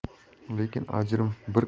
lekin ajrim bir